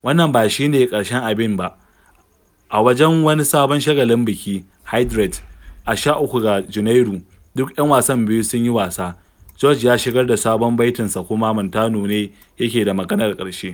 Wannan ba shi ne ƙarshen abin ba: a wajen wani sabon shagalin biki, "Hydrate", a 13 ga Janairu, duk 'yan wasan biyu sun yi wasa. George ya shigar da sabon baitinsa kuma Montano ne yake da maganar ƙarshe: